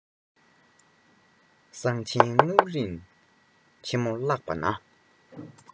གསང ཆེན སྔགས རིམ ཆེན མོ བཀླགས པ ན